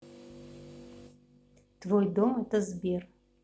твой дом это сбер